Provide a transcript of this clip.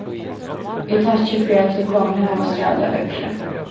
eg takki fyri at tit komu hóast ræðuliga veðrið